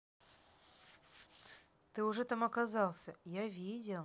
ты уже там оказался я видел